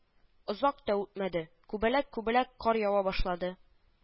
Озак та үтмәде, күбәләк-күбәләк кар ява башлады